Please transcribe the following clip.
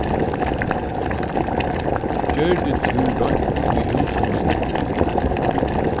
gjørdi tú reint í húsunum